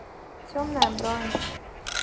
темная бронь